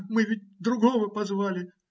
мы ведь другого позвали.